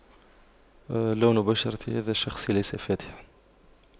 لون بشرة هذا الشخص ليس فاتحا